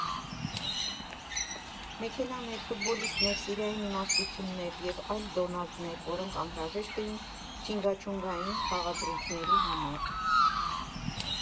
Մեքենաներ, ֆուտբոլիստներ, սիրային իմաստություններ և այլ դոնալդներ, որոնք անհրաժեշտ էին չինգաչունգային խաղադրույքների համար։